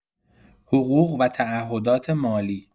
حقوق و تعهدات مالی